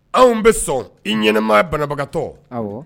Anw bɛ sɔn i ɲɛnɛma banabagatɔ